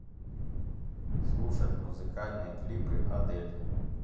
слушать музыкальные клипы адель